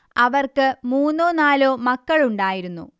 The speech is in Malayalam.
അവർക്ക് മൂന്നോ നാലോ മക്കൾ ഉണ്ടായിരുന്നു